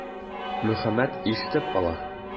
Мөхәммәт ишетеп ала.